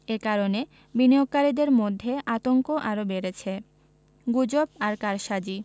এ কারণে বিনিয়োগকারীদের মধ্যে আতঙ্ক আরও বেড়েছে গুজব আর কারসাজি